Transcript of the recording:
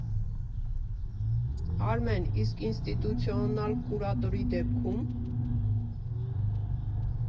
Արմեն, իսկ ինստիտուցիոնալ կուրատորի դեպքո՞ւմ։